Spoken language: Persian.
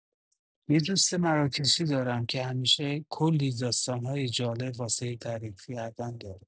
یه دوست مراکشی دارم که همیشه کلی داستانای جالب واسه تعریف کردن داره.